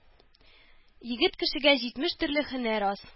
Егет кешегә җитмеш төрле һөнәр аз.